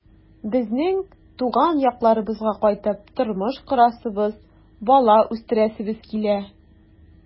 Безнең туган якларыбызга кайтып тормыш корасыбыз, бала үстерәсебез килә.